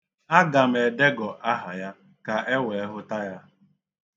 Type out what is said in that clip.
Aga m edọgọ aha ya ka e wee hụta ya.